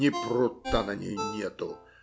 Ни прута на ней нету.